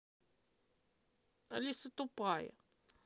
алиса тупая